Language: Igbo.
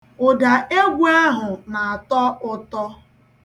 Ụda egwu ahụ na-atọ ụtọ.